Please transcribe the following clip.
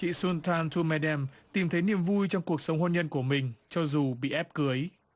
chị xuân than chô me đem tìm thấy niềm vui trong cuộc sống hôn nhân của mình cho dù bị ép cưới